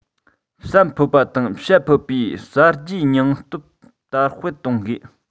བསམ ཕོད པ དང བཤད ཕོད པའི གསར བརྗེའི སྙིང སྟོབས དར སྤེལ གཏོང དགོས